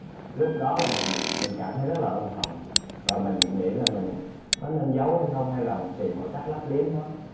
lúc đó là mình mình cảm thấy rất là ân hận và mình nghĩ là mình có nên giấu hay không hay bằng tìm mọi cách lấp liếm nó